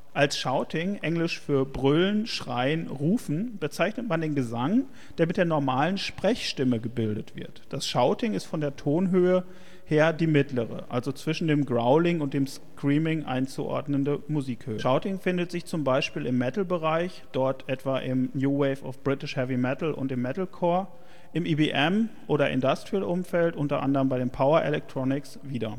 Als Shouting (engl. für: brüllen, schreien, rufen) bezeichnet man den Gesang, der mit der normalen Sprechstimme gebildet wird. Das Shouting ist von der Tonhöhe her die Mittlere, also zwischen dem Growling und dem Screaming einzuordnen. Shouting findet sich zum Beispiel im Metal-Bereich (NWoBHM, Metalcore), im EBM - oder Industrial-Umfeld (unter anderem Power Electronics) wieder